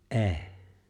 ei